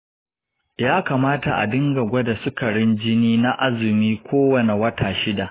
ya kamata a dinga gwada sukarin jini na azumi kowane wata shida.